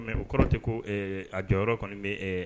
Mais o kɔrɔtɛ ko a jɔyɔrɔ kɔni bɛ